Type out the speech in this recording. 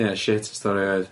Ie shit o stori oedd.